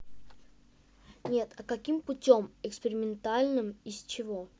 нет а каким путем экспериментальным из чего